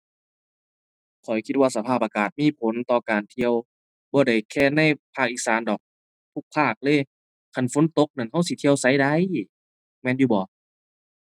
ข้อยคิดว่าสภาพอากาศมีผลต่อการเที่ยว บ่ได้แค่ในภาคอีสานดอก ทุกภาคเลย คันฝนตกนั้น เราสิเที่ยวไสได้ แม่นอยู่บ่